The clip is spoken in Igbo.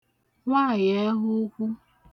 nwaàyị̀ẹhụukwu